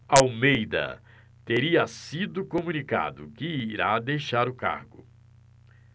almeida teria sido comunicado que irá deixar o cargo